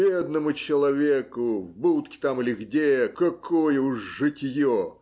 Бедному человеку, в будке там или где, какое уж житье!